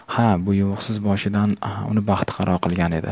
ha bu yuvuqsiz boshidan uni baxtiqaro qilgan edi